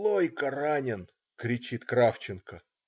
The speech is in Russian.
"Лойко ранен!" - кричит Кравченко.